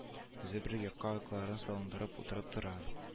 Үзе бер якка аякларын салындырып утырып тора